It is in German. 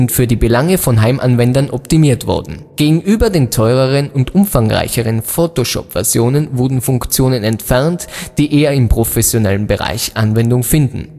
für die Belange von Heimanwendern optimiert wurden. Gegenüber den teureren und umfangreicheren Photoshop-Versionen wurden Funktionen entfernt, die eher im professionellen Bereich Anwendung finden